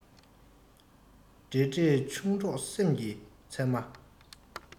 འདྲིས འདྲིས ཆུང གྲོགས སེམས ཀྱི ཚེར མ